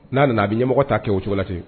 N'a nana a bɛ ɲɛmɔgɔ ta kɛ o cogo la kɛ